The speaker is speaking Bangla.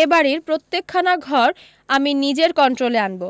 এ বাড়ীর প্রত্যেকখানা ঘর আমি নিজের কণ্ট্রোলে আনবো